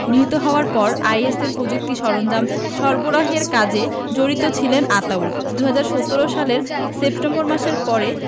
নিহত হওয়ার পর আইএসের প্রযুক্তি সরঞ্জাম সরবরাহের কাজে জড়িত ছিলেন আতাউল ২০১৭ সালের সেপ্টেম্বর মাসের পরে